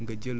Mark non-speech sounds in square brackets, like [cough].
[hesitation] [hesitation]